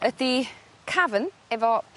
ydi cafyn efo